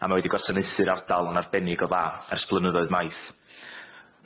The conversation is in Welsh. A ma' wedi gwasanaethu'r ardal yn arbennig o dda ers blynyddoedd maith.